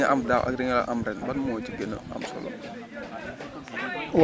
li nga am daaw ak li nga am ren ban moo ci gëna am solo